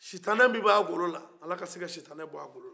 sitanɛ min bɛ a golola ala ka se ka siotanɛ bɔ a golola